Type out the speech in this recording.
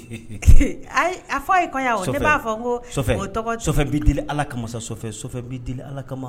A fɔ a ye kɔɲɔ ne b'a fɔ ko di ala kama di ala kama